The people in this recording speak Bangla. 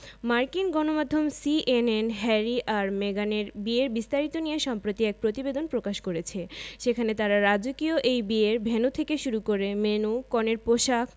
মার্কিন গণমাধ্যম সিএনএন হ্যারি আর মেগানের বিয়ের বিস্তারিত নিয়ে সম্প্রতি এক প্রতিবেদন প্রকাশ করেছে সেখানে তারা রাজকীয় এই বিয়ের ভেন্যু থেকে শুরু করে মেন্যু কনের পোশাক